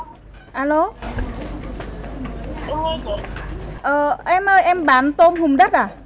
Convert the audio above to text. a lô chị ơi em ơi em bán tôm hùm đất à